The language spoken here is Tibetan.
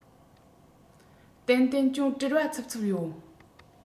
ཏན ཏན ཅུང བྲེལ བ འཚུབ འཚུབ ཡོད